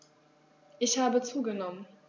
Ich habe zugenommen.